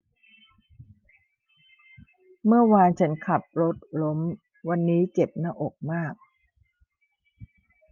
เมื่อวานฉันขับรถล้มวันนี้เจ็บหน้าอกมาก